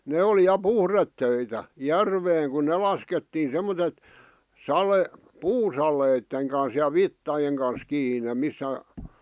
ne oli ja puhdetöitä järveen kun ne laskettiin semmoiset - puusaleiden kanssa ja vitsojen kanssa kiinni missä